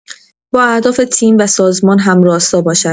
با اهداف تیم و سازمان هم‌راستا باشد.